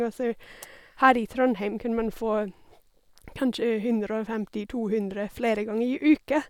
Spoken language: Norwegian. Og så her i Trondheim kunne man få kanskje hundre og femti to hundre flere ganger i uke.